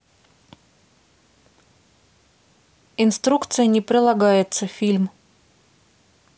инструкция не прилагается фильм